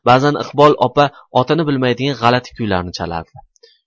ba'zan iqbol opa otini bilmaydigan g'alati kuylarni chalardi